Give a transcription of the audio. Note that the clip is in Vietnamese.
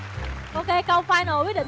ô kê câu phai nồ